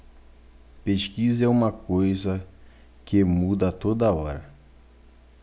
pesquisa é uma coisa que muda a toda hora